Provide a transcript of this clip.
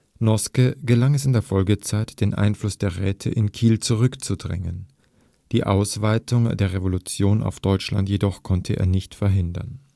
Noske gelang es in der Folgezeit, den Einfluss der Räte in Kiel zurückzudrängen. Die Ausweitung der Revolution auf Deutschland jedoch konnte er nicht verhindern